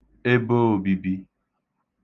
eboōbībī